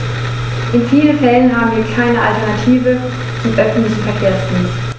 In vielen Fällen haben wir keine Alternative zum öffentlichen Verkehrsdienst.